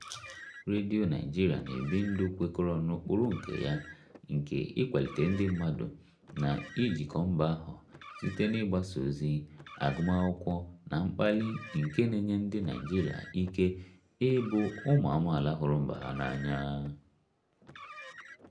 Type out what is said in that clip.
Radio Nigeria na-ebi ndụ kwekọrọ n'ụkpụrụ nke ya nke ịkwalite ndị mmadụ na ijikọ mba ahụ" site na ịgbasa ozi, agụmakwụkwọ na mkpali nke na-enye ndị Naịjirịa ike ịbụ ụmụ amaala hụrụ mba ha n'anya.